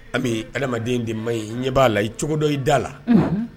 An bɛ adamaden de man ɲi ɲɛ b'a la i cogo dɔ i da la